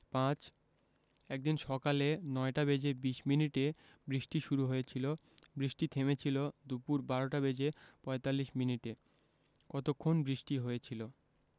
৫ একদিন সকালে ৯টা বেজে ২০ মিনিটে বৃষ্টি শুরু হয়েছিল বৃষ্টি থেমেছিল দুপুর ১২টা বেজে ৪৫ মিনিটে কতক্ষণ বৃষ্টি হয়েছিল